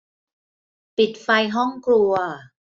ปิดไฟห้องครัว